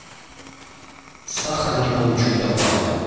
сахар не получу давай